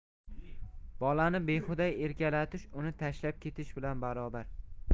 bolani bexuda erkalatish uni tashlab ketish bilan barobar